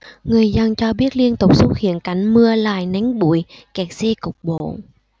người dân cho biết liên tục xuất hiện cảnh mưa lầy nắng bụi kẹt xe cục bộ